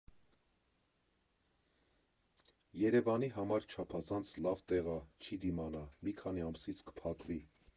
Երևանի համար չափազանց լավ տեղ ա, չի դիմանա, մի քանի ամսից կփակվի։